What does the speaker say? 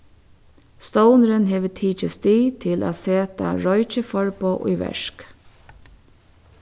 stovnurin hevur tikið stig til at seta roykiforboð í verk